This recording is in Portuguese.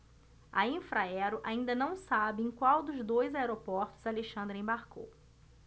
a infraero ainda não sabe em qual dos dois aeroportos alexandre embarcou